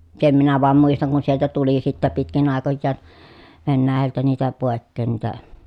sen minä vain muistan kun sieltä tuli sitten pitkin aikojaan Venäjältä niitä pois niitä